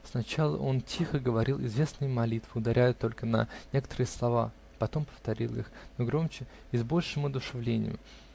Сначала он тихо говорил известные молитвы, ударяя только на некоторые слова, потом повторил их, но громче и с большим одушевлением.